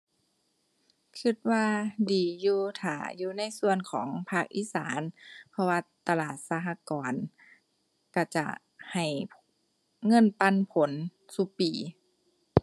คิดว่าดีอยู่ถ้าอยู่ในส่วนของภาคอีสาน เพราะว่าตลาดสหกรณ์คิดจะให้เงินปันผลซุปี